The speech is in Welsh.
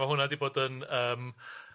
...ma' hwnna 'di bod yn yym